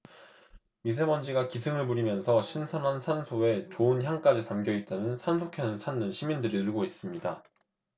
미세먼지가 기승을 부리면서 신선한 산소에 좋은 향까지 담겨 있다는 산소캔을 찾는 시민들이 늘고 있습니다